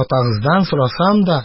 Атагыздан сорасам да,